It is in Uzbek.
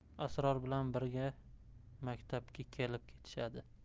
asror bilan birga maktabga kelib ketishadi